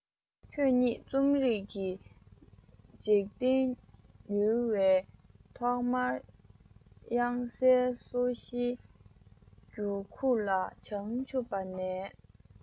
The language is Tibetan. ཁྱོད ཉིད རྩོམ རིག གི འཇིག རྟེན ཉུལ བའི ཐོག མར དབྱངས གསལ སོ བཞིའི འགྱུར ཁུག ལ བྱང ཆུབ པ ནས